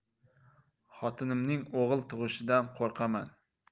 xotinimning o'g'il tug'ishidan qo'rqaman